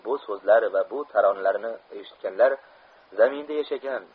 bu so'zlar va bu taronalarni eshitganlar zaminda yashagan